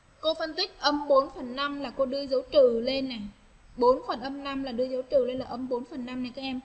cô phân tích phần trăm là cô đơn dấu trừ lên nè bốn quan âm nam là đứa xấu nên là phần trăm để cho em